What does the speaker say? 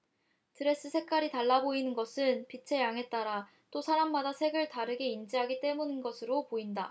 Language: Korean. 드레스 색깔이 달라 보이는 것은 빛의 양에 따라 또 사람마다 색을 다르게 인지하기 때문인 것으로 보인다